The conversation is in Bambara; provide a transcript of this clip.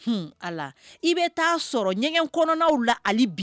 I ɲɛgɛn la